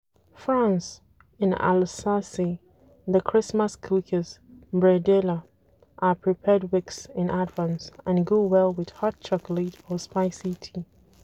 France – In Alsace the Christmas cookies, bredela, are prepared weeks in advance and go well with hot chocolate or spicy tea.